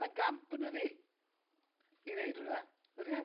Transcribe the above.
Ma'n gamp yndydi, i wneud hwnna, ydi e?